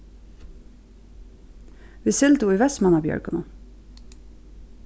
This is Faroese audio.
vit sigldu í vestmannabjørgunum